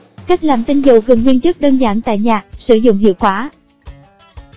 cách làm tinh dầu gừng nguyên chất đơn giản tại nhà sử dụng hiệu quả